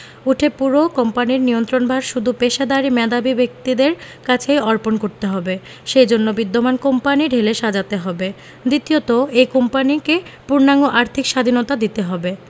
উঠে পুরো কোম্পানির নিয়ন্ত্রণভার শুধু পেশাদারি মেধাবী ব্যক্তিদের কাছেই অর্পণ করতে হবে সে জন্য বিদ্যমান কোম্পানি ঢেলে সাজাতে হবে দ্বিতীয়ত এই কোম্পানিকে পূর্ণাঙ্গ আর্থিক স্বাধীনতা দিতে হবে